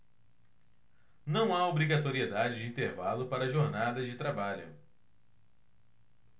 não há obrigatoriedade de intervalo para jornadas de trabalho